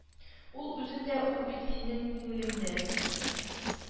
Ул үзендә, ул бит синең күңелеңдә